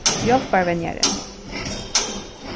hjálparvenjari